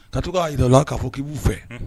Ka to' jira la k'a fɔ k'i'u fɛ